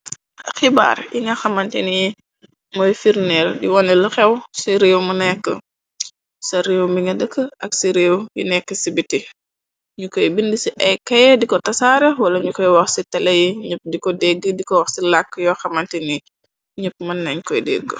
xibaar yi nga xamantin yi mooy firneel di wonel xew ci réew mu nekk ca réew bi nga dëkk ak ci réew yi nekk ci biti ñu koy bind ci ay keye diko tasaare wala ñu koy wax ci tele yi ñëpp diko dégg dikoox wah ci làkk yoo xamante ni ñepp mën nañ koy déggo.